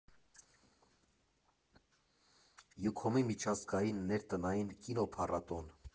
Յուքոմի միջազգային ներտնային կինոփառատոն։